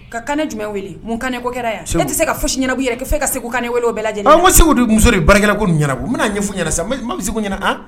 Ka kan ne jumɛn bɛ wele mun kan ko kɛra yan so tɛ se ka foyi ɲɛnaina i yɛrɛ i' ka segu' kaɛ weele bɛɛ lajɛ ma segu muso de barikakɛ ko ɲɛna u n bɛna ɲɛ f u ɲɛna sa ma bɛ segu ɲɛna